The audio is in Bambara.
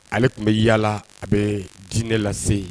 Ale tun bɛ yalala a bɛ dinɛ lase